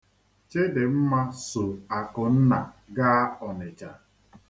Chidịmma so Akụnna gaa Ọnịcha.